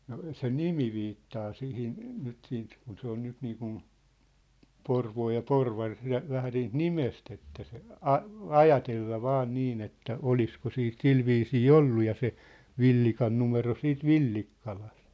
no se nimi viittaa siihen nyt siitä kun se on nyt niin kuin Porvoo ja Porvari - vähän niitä nimestä että se - ajatella vain niin että olisiko sitten sillä viisiin ollut ja se Villikan numero siitä Villikkalasta